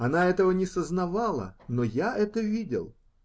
Она этого не сознавала, но я это видел.